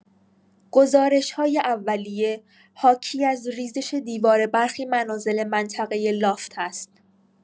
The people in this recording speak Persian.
گزارش‌های اولیه حاکی‌از ریزش دیوار برخی منازل منطقه لافت است.